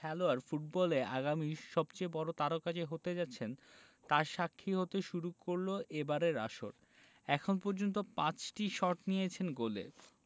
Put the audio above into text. খেলোয়াড় ফুটবলে আগামীর সবচেয়ে বড় তারকা যে হতে যাচ্ছেন তার সাক্ষী হতে শুরু করল এবারের আসর এখন পর্যন্ত ৫টি শট নিয়েছেন গোলে